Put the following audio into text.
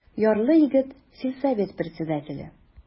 Ярлы егет, сельсовет председателе.